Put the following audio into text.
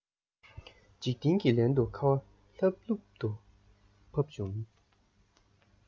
འཇིག རྟེན གྱིས ལན དུ ཁ བ ལྷབ ལྷུབ ཏུ ཕབ བྱུང